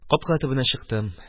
Капка төбенә чыктым